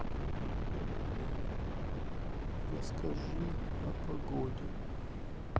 расскажи о погоде